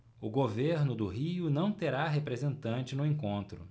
o governo do rio não terá representante no encontro